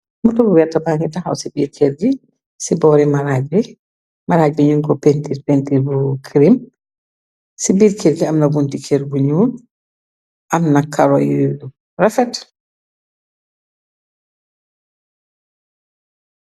Mutobu wett ba ngi taxaw ci biir kër gi, ci boori ramaraag bi, ñun ko pt pentirb krim, ci biir kër gi amna bunti kër buñu, am na karoyilu rafet.